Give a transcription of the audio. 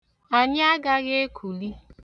Anyị agaghị ekuli.